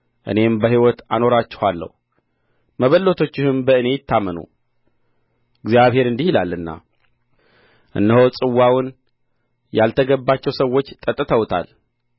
እኔም በሕይወት አኖራቸዋለሁ መበለቶችህም በእኔ ይታመኑ እግዚአብሔር እንዲህ ይላልና እነሆ ጽዋውን ያልተገባቸው ሰዎች ጠጥተውታል